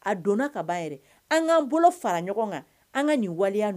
An bolo fara ɲɔgɔn kan ka nin